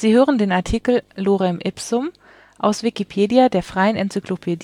hören den Artikel Lorem ipsum, aus Wikipedia, der freien Enzyklopädie